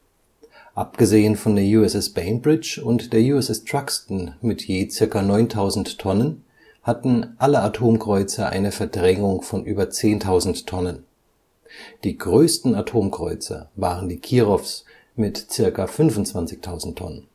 Abgesehen von der USS Bainbridge und der USS Truxtun mit je ca. 9.000 Tonnen hatten alle Atomkreuzer eine Verdrängung von über 10.000 Tonnen. Die größten Atomkreuzer waren die Kirows mit ca. 25.000 Tonnen